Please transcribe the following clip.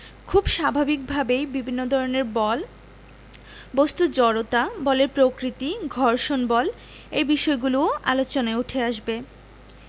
খুব স্বাভাবিকভাবেই বিভিন্ন ধরনের বল বস্তুর জড়তা বলের প্রকৃতি ঘর্ষণ বল এই বিষয়গুলোও আলোচনায় উঠে আসবে